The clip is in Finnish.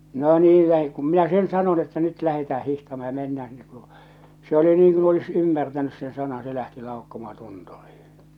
no niin - kun minä sen sanoin että nyt lähdetään hiihtämään ja mennään sinne kuru se oli niin kuin olisi ymmärtänyt sen sanan se lähti laukkomaan tunturiin